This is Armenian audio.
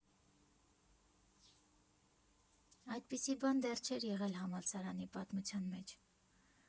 Այդպիսի բան դեռ չէր եղել համալսարանի պատմության մեջ։